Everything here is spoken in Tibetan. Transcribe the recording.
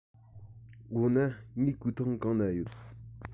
འོ ན ངའི གོས ཐུང གང ན ཡོད